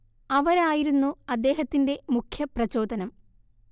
അവരായിരുന്നു അദ്ദേഹത്തിന്റെ മുഖ്യപ്രചോദനം